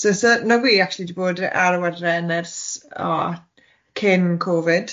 So so nagw i acshyli wedi bod ar awyren ers o, cyn Covid.